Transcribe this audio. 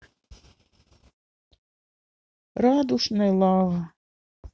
радужная лава